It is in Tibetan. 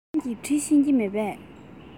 ཁྱེད རང གིས འབྲི ཤེས ཀྱི མེད པས